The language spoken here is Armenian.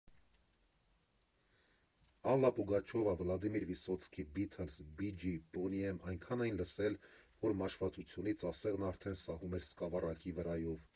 Ալլա Պուգաչովա, Վլադիմիր Վիսոցկի, Բիթլզ, Բիջիս, Բոնի Էմ այնքան էին լսել, որ մաշվածությունից ասեղն արդեն սահում էր սկավառակի վրայով։